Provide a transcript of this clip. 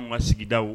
Ma sigida o